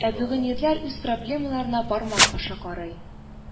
Ә бүген ирләр үз проблемаларына бармак аша карый